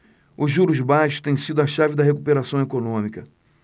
os juros baixos têm sido a chave da recuperação econômica